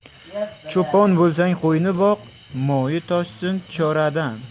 cho'pon bo'lsang qo'yni boq moyi toshsin choradan